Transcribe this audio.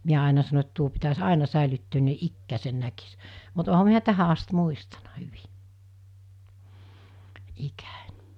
minä aina sanoin että tuo pitäisi aina säilyttää niin ikänsä näkisi mutta olenhan minä tähän asti muistanut hyvin ikäni